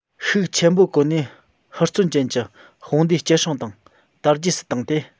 ཤུགས ཆེན པོ བཀོལ ནས ཧུར བརྩོན ཅན གྱི དཔུང སྡེ སྐྱེད སྲིང དང དར རྒྱས སུ བཏང སྟེ